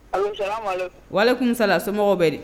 Allo salamaleku; walekum Salam, somɔgɔw bɛ di